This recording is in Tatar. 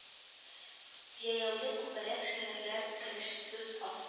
Җәяүле күбәләк шигырьләр кереш сүз авт